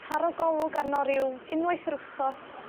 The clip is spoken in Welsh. taro golwg arno ryw unwaith yr wsos